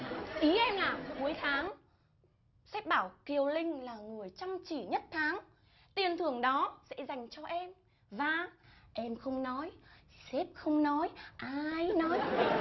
ý em là cuối tháng sếp bảo kiều linh là người chăm chỉ nhất tháng tiền thưởng đó sẽ dành cho em và em không nói sếp không nói ai nói